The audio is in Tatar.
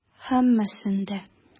Һәммәсен дә.